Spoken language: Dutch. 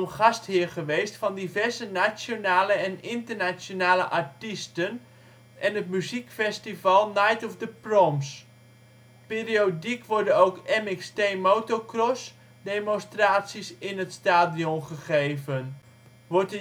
gastheer geweest van diverse nationale en internationale artiesten en het muziekfestival Night of the Proms. Periodiek worden ook MXT motocross demonstraties in het stadion gegeven, wordt